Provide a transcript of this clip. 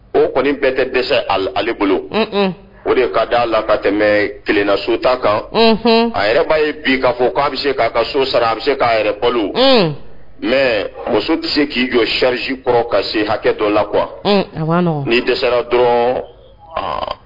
O kɔni bɛɛ tɛ dɛsɛ ale bolo o de ye'a d' a la ka tɛmɛ kelenna sotaa kan a yɛrɛba ye bi ka fɔ k'a bɛ se k'a ka so sara a bɛ se k'a yɛrɛ paul mɛ muso tɛ se k'i jɔ sirisi kɔrɔ ka se hakɛtɔ la qu ni dɛsɛra dɔrɔn